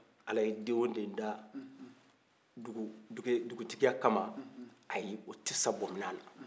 ala ye den o den da dugutigiya kama ayi o tɛ sa bamunnan na